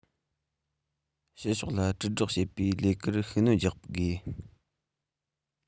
ཕྱི ཕྱོགས ལ དྲིལ བསྒྲགས བྱེད པའི ལས ཀར ཤུགས སྣོན རྒྱག དགོས